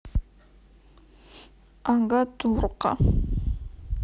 ага турка